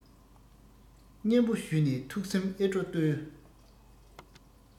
སྙན པོ ཞུས ནས ཐུགས སེམས ཨེ སྤྲོ ལྟོས